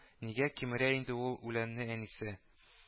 Нигә кимерә инде ул үләнне әнисе